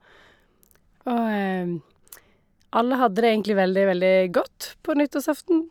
Og alle hadde det egentlig veldig, veldig godt på nyttårsaften.